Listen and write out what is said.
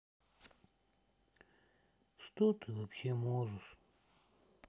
что ты вообще можешь